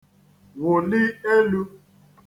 wụli elū